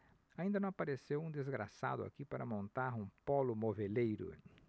ainda não apareceu um desgraçado aqui para montar um pólo moveleiro